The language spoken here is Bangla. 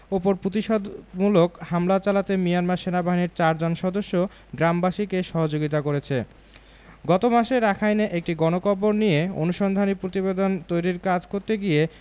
ওপর প্রতিশোধমূলক হামলা চালাতে মিয়ানমার সেনাবাহিনীর চারজন সদস্য গ্রামবাসীকে সহযোগিতা করেছে গত মাসে রাখাইনে একটি গণকবর নিয়ে অনুসন্ধানী প্রতিবেদন তৈরির কাজ করতে গিয়ে